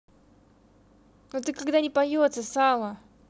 ну ты когда не поется сало